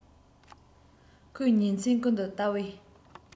ཁོས ཉིན མཚན ཀུན ཏུ ལྟ བའི